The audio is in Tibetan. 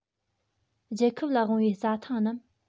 རྒྱལ ཁབ ལ དབང བའི རྩྭ ཐང རྣམས